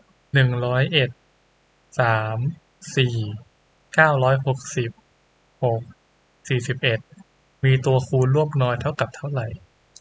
หนึ่งร้อยเอ็ดสามสี่เก้าร้อยหกสิบหกสี่สิบเอ็ดมีตัวคูณร่วมน้อยเท่ากับเท่าไหร่